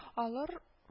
Алыр